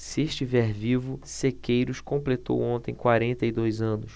se estiver vivo sequeiros completou ontem quarenta e dois anos